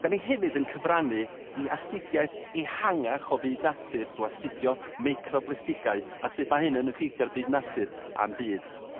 'Dan ni hefyd yn cyfrannu i astudiaeth ehangach o byd natur drw astudio meicroplestigau a sut mae hyn yn effeithio ar byd natur a'm byd.